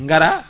gara